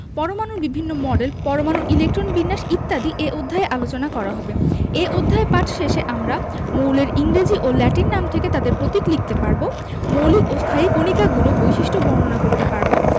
পরমাণুর বিভিন্ন মডেল পরমাণুর ইলেকট্রন বিন্যাস ইত্যাদি এ অধ্যায়ে আলোচনা করা হবে এ অধ্যায়ে পাঠ শেষে আমরা মৌলের ইংরেজি ও ল্যাটিন নাম থেকে তাদের প্রতীক লিখতে পারব মৌলিক ও স্থায়ী কণিকাগুলোর বৈশিষ্ট্য বর্ণনা করতে পারব